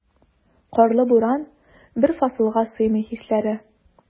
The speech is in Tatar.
Карлы буран, бер фасылга сыймый хисләре.